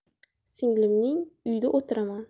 singlimning uyida o'tiraman